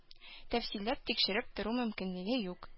Тәфсилләп тикшереп тору мөмкинлеге юк